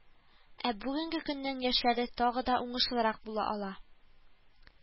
Ә бүгенге көннең яшьләре тагы да уңышлырак була ала